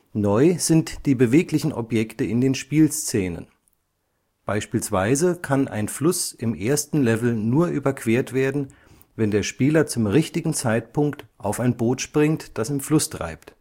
Neu sind die beweglichen Objekte in den Spielszenen. Beispielsweise kann ein Fluss im ersten Level nur überquert werden, wenn der Spieler zum richtigen Zeitpunkt auf ein Boot springt, das im Fluss treibt